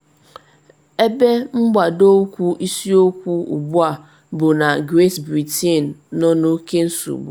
Ebe mgbado ukwu isiokwu ugbu a bụ na Great Britain nọ n’oke nsogbu.